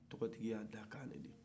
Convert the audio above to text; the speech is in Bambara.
tɔgɔtigiya ye dakan de ye